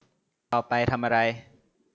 ต่อไปทำอะไร